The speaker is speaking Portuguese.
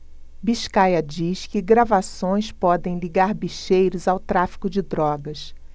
biscaia diz que gravações podem ligar bicheiros ao tráfico de drogas